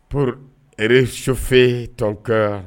Pur re sufɛ tɔnka